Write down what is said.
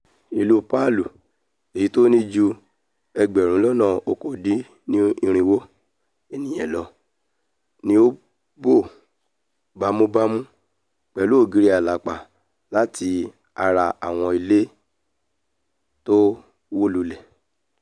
Ìlú Palu, èyití ó ní ju 380,000 ènìyàn lọ, ni ó bò bámúbámú pẹ̀lú ògiri àlàpà láti ara àwọn ilé tówó lulẹ̵̀.